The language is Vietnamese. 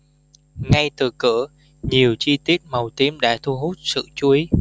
ngay từ cửa nhiều chi tiết màu tím đã thu hút sự chú ý